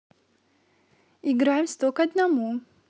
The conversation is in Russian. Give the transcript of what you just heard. играем сто к одному